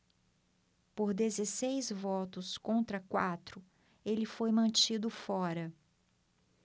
por dezesseis votos contra quatro ele foi mantido fora